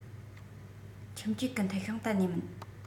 ཁྱིམ སྤྱོད གི མཐིལ ཤིང གཏན ནས མིན